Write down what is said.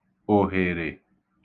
òhèrè